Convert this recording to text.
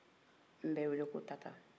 n bɛ wele ko tata